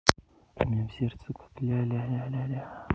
у меня в сердце как ля ля ля ля